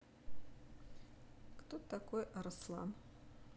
кто такой арслан